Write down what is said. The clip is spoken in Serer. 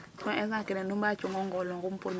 So instant kene nu mba cung o nqool a nqum pour jeg fo jem ?